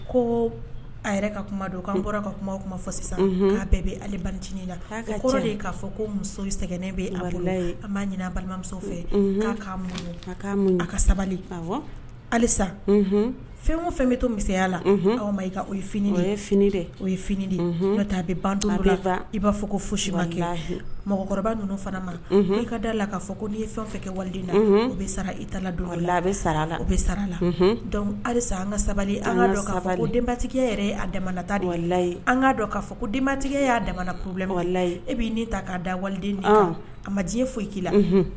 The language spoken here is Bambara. Ko a fɔ'a bɛɛ bɛtinin de' fɔ ko muso sɛgɛnnen bɛ ma balimamuso fɛ sabalisa fɛn o fɛn bɛ toya la' ma fini bɛ ban i b'a fɔ ko fosimaya mɔgɔkɔrɔba ninnu fana ma i ka da la k'a fɔ ko n'i ye fɛn fɛ kɛ wali na o bɛ sara i talala a sara la u bɛ sara la alisa an ka sabali denbatigikɛ yɛrɛ a datala an'a dɔn k'a fɔ ko denbatigikɛ y' dala e b' ta'a da waliden a ma diɲɛ foyi k'i la